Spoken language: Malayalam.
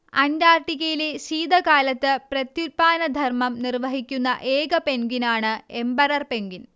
അന്റാർട്ടിക്കയിലെ ശീതകാലത്ത് പ്രത്യുത്പാദനധർമ്മം നിർവഹിക്കുന്ന ഏക പെൻഗ്വിനാണ് എമ്പറർ പെൻഗ്വിൻ